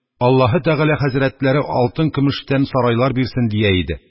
Аллаһе Тәгалә хәзрәтләре алтын-көмештән сарайлар бирсен! – дия иде.